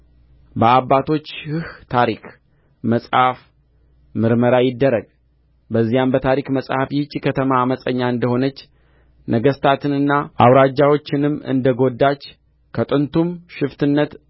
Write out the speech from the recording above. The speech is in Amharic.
በአባቶችህ ታሪክ መጽሐፍ ምርመራ ይደረግ በዚያም በታሪክ መጽሐፍ ይህች ከተማ ዓመፀኛ እንደ ሆነች ነገሥታትንና አውራጃዎችንም እንደ ጐዳች ከጥንቱም ሽፍትነት